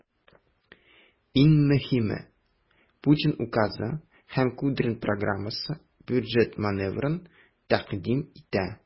Иң мөһиме, Путин указы һәм Кудрин программасы бюджет маневрын тәкъдим итә.